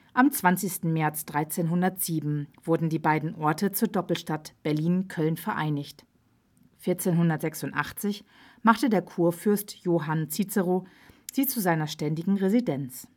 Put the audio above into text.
Am 20. März 1307 wurden die beiden Orte zur Doppelstadt Berlin-Cölln vereinigt, 1486 machte der Kurfürst Johann Cicero sie zu seiner ständigen Residenz